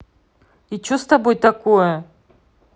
и че с тобой такое